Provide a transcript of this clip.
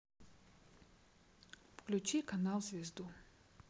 включи канал звезду